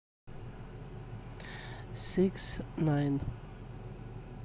six nine